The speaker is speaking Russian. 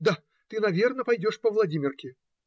- Да, ты, наверно, пойдешь по Владимирке!